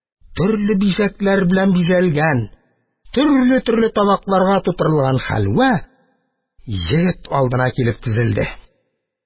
Төрле бизәкләр белән бизәлгән, төрле-төрле табакларга тутырылган хәлвә егет алдына килеп тезелде.